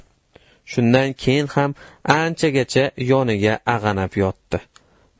shundan keyin ham anchagacha yoniga ag'anab yotdi